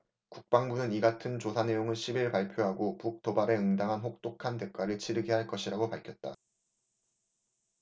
국방부는 이 같은 조사내용을 십 일 발표하고 북 도발에 응당한 혹독한 대가를 치르게 할 것이라고 밝혔다